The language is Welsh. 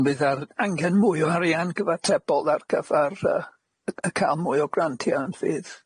Ond bydd ar angen mwy o arian cyfatebol ar gyfar yy yy y ca'l mwy o grantia yn fydd?